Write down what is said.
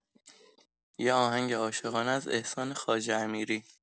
یه آهنگ عاشقانه از احسان خواجه‌امیری